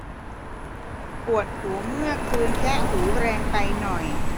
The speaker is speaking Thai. ปวดหูเมื่อคืนแคะหูแรงไปหน่อย